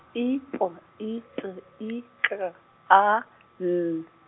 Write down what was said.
I P I T I K A N.